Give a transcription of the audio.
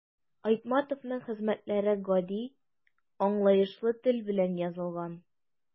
Айтматовның хезмәтләре гади, аңлаешлы тел белән язылган.